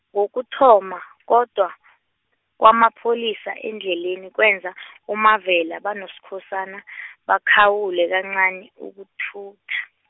ngokuthoma kodwa , kwamapholisa endleleni kwenza , uMavela banoSkhosana , bakhawule kancani ukuthutha.